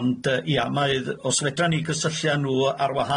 Ond y- ia mae os fedran ni gysyllu a nhw ar wahân